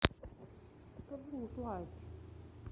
скажи не плачь